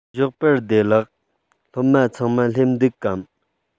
ཞོགས པ བདེ ལེགས སློབ མ ཚང མ སླེབས འདུག གམ